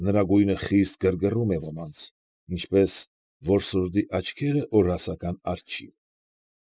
Նրա գույնը խիստ գրգռում է «ոմանց», ինչպես որսորդի աչքերը օրհասական արջին։